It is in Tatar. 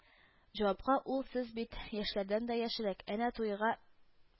Җавапка ул сез бит яшьләрдән дә яшьрәк, әнә туйга